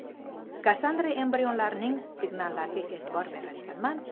kassandra embrionlarning signallariga e'tibor berar ekanman